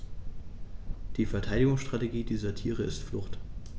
Die Verteidigungsstrategie dieser Tiere ist Flucht.